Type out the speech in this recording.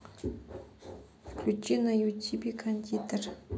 включи на ютубе кондитер